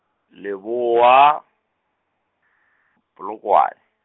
Leboa, Polokwane.